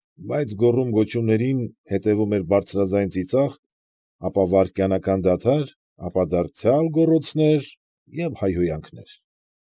Բայց գոռում֊գոչումներին հետևում էր բարձրաձայն ծիծաղ, ապա վայրկենական դադար, ապա դարձյալ գոռոցներ և հայհոյանքներ։